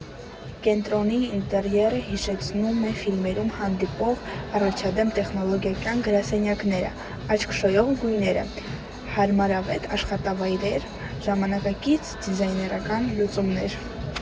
Կենտրոնի ինտերիերը հիշեցնում է ֆիլմերում հանդիպող առաջադեմ տեխնոլոգիական գրասենյակները՝ աչք շոյող գույներ, հարմարավետ աշխատավայրեր, ժամանակակից դիզայներական լուծումներ։